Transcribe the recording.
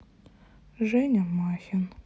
женя махин